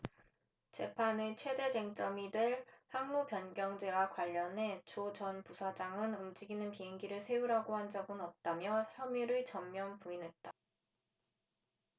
재판의 최대 쟁점이 될 항로변경죄와 관련해 조 전 부사장은 움직이는 비행기를 세우라고 한 적은 없다며 혐의를 전면 부인했다